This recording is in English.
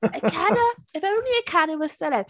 Ikenna, if only Ikenna was still in.